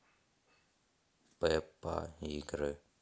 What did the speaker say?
пеппа игры